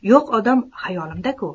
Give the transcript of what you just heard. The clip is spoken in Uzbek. yo'q odam xayolimda ku